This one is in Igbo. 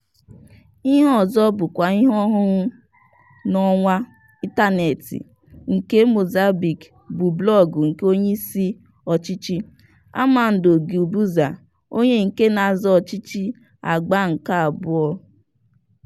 Ihe ọzọ bụkwa ihe ọhụrụ n'ọwa ịntaneetị nke Mozambique bụ blọọgụ nke Onyeisi Ọchịchị Armando Guebuza, onye nke na-azọ ọchịchị agba nke abụọ.